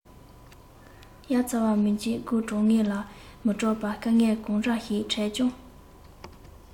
དབྱར ཚ བར མི འཇིགས དགུན གྲང ངར ལ མི སྐྲག པ དཀའ ངལ གང འདྲ ཞིག ཕྲད ཀྱང